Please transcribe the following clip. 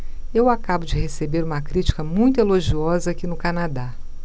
eu acabo de receber uma crítica muito elogiosa aqui no canadá